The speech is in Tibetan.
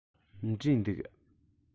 འབྲས འདུག